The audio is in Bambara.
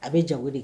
A bɛ jago de